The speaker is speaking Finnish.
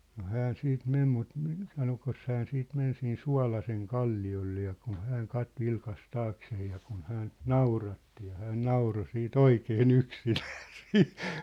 no hän sitten meni mutta - sanoikos hän sitten meni siinä Suolasenkalliolle ja kun hän - vilkaisi taakseen ja kun häntä nauratti ja hän nauroi sitten oikein yksinään siinä